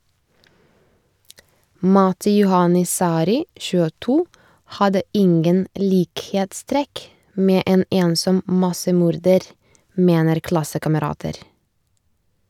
Matti Juhani Sari (22) hadde ingen likhetstrekk med en ensom massemorder, mener klassekamerater.